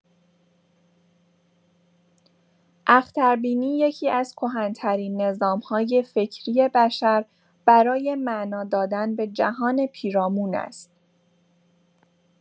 اختربینی یکی‌از کهن‌ترین نظام‌های فکری بشر برای معنا دادن به جهان پیرامون است.